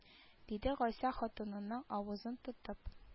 Диде гайса хатынының авызын тотып